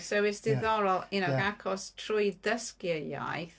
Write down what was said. So it's diddorol you know achos trwy ddysgu y iaith...